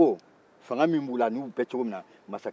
u ye cogo fanga min b'u la an'u bɛ cogo min na